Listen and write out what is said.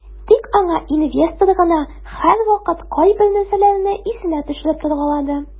Тик аңа инвестор гына һәрвакыт кайбер нәрсәләрне исенә төшереп торгалады.